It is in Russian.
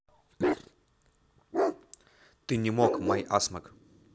ты не мог майасмок